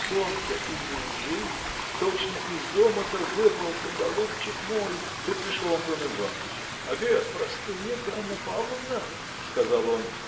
Сон-то и не лжив: точно из омута вырвался, голубчик мой! Тут пришел Антон Иваныч. – Обед простынет Анна Павловна – сказал он